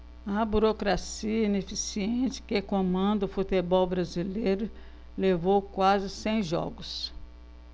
a burocracia ineficiente que comanda o futebol brasileiro levou quase cem jogos